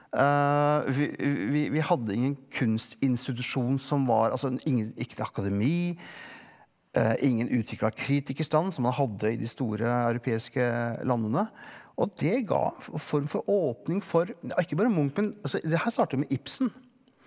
vi hadde ingen kunstinstitusjon som var altså ikke noe akademi ingen utvikla kritikerstand som man hadde i de store europeiske landene og det ga en form for åpning for ikke bare Munch men altså det her starta med Ibsen.